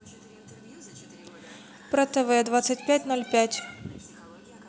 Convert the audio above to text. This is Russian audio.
про тв двадцать пять ноль пять